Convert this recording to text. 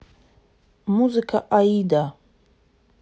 музыка аида